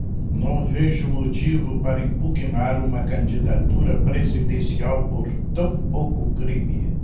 não vejo motivo para impugnar uma candidatura presidencial por tão pouco crime